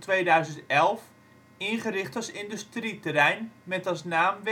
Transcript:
2009-2011) ingericht als industrieterrein, met als naam Westpoort